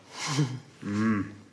Hmm.